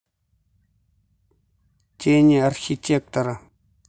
тени архитектора